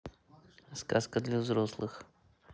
сказка для взрослых